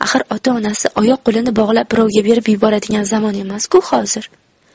axir ota onasi oyoq qo'lini bog'lab birovga berib yuboradigan zamon emas ku hozir